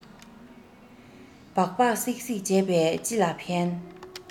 སྦག སྦག གསིག གསིག བྱས པས ཅི ལ ཕན